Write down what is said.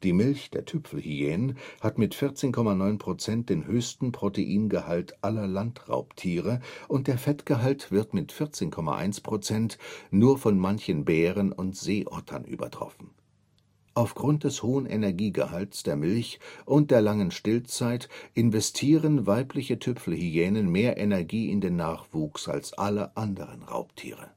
Milch der Tüpfelhyänen hat mit 14,9 % den höchsten Proteingehalt aller Landraubtiere, und der Fettgehalt wird mit 14,1 % nur von manchen Bären und Seeottern übertroffen. Aufgrund des hohen Energiegehalts der Milch und der langen Stillzeit investieren weibliche Tüpfelhyänen mehr Energie in den Nachwuchs als alle anderen Raubtiere